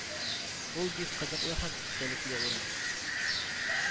Ул бик кызыклы һәм истәлекле урын